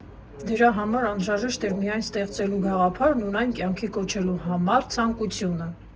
Դրա համար անհրաժեշտ էր միայն ստեղծելու գաղափարն ու այն կյանքի կոչելու համառ ցանկությունը։